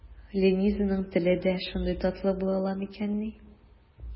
Ленизаның теле дә шундый татлы була ала микәнни?